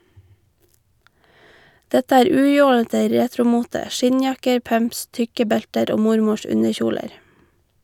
Dette er ujålete retromote, skinnjakker, pumps, tykke belter og mormors underkjoler.